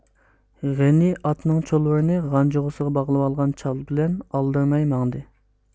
غېنى ئاتنىڭ چۇلۋۇرىنى غانجۇغىسىغا باغلىۋالغان چال بىلەن ئالدىرىماي ماڭدى